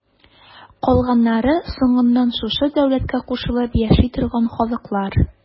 Калганнары соңыннан шушы дәүләткә кушылып яши торган халыклар.